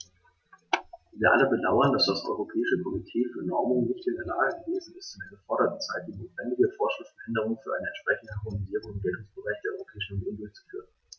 Wir alle bedauern, dass das Europäische Komitee für Normung nicht in der Lage gewesen ist, in der geforderten Zeit die notwendige Vorschriftenänderung für eine entsprechende Harmonisierung im Geltungsbereich der Europäischen Union durchzuführen.